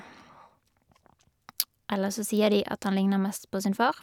Ellers så sier de at han ligner mest på sin far.